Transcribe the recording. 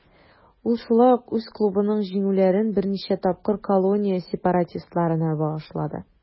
Ул шулай ук үз клубының җиңүләрен берничә тапкыр Каталония сепаратистларына багышлады.